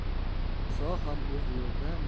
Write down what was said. iso ham o'z yo'liga